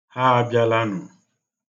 Ha abịalanụ.